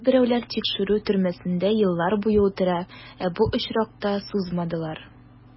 Кайберәүләр тикшерү төрмәсендә еллар буе утыра, ә бу очракта сузмадылар.